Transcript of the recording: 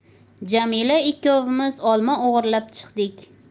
jamila ikkovimiz olma o'g'irlab chiqdik